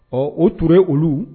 Ɔ o tun ye olu